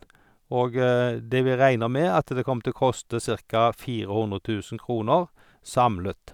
Og det vi regner med, at det kommer til å koste cirka fire hundre tusen kroner samlet.